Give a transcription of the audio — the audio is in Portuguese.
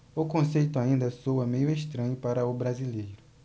o conceito ainda soa meio estranho para o brasileiro